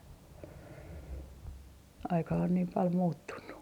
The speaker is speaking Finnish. aika on niin paljon muuttunut